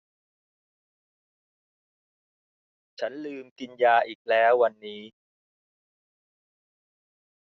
ฉันลืมกินยาอีกแล้ววันนี้